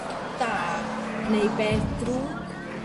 da, neu beth drwg?